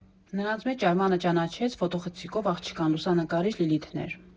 Նրանց մեջ Արմանը ճանաչեց ֆոտոխցիկով աղջկան՝ լուսանկարիչ Լիլիթն էր։